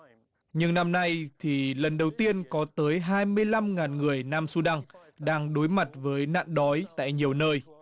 nhưng năm nay thì lần đầu tiên có tới hai mươi lăm ngàn người nam xu đăng đang đối mặt với nạn đói tại nhiều nơi